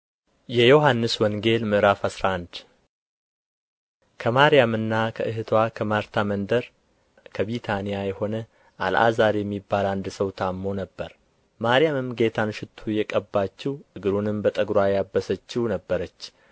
የዮሐንስ ወንጌል ምዕራፍ አስራ አንድ ከማርያምና ከእኅትዋ ከማርታ መንደር ከቢታንያ የሆነ አልዓዛር የሚባል አንድ ሰው ታሞ ነበር ማርያምም ጌታን ሽቱ የቀባችው እግሩንም በጠጕርዋ ያበሰችው ነበረች